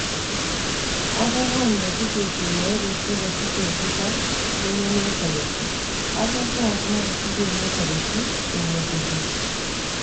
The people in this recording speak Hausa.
Abubuwan da suke kewaye da shi da suke kusa, sun yi nesa da shi, abubuwan kuma da suke nesa da shi, sun yi kusa.